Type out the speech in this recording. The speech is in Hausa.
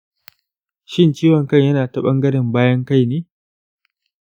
shin ciwon kan yana ta ɓangaren bayan kaine?